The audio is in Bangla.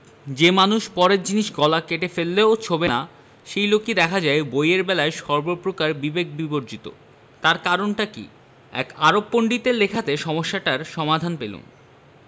যে মানুষ পরের জিনিস গলা কেটে ফেললেও ছোঁবে না সেই লোকই দেখা যায় বইয়ের বেলায় সর্বপ্রকার বিবেক বিবর্জিত তার কারণটা কি এক আরব পণ্ডিতের লেখাতে সমস্যাটার সমাধান পেলুম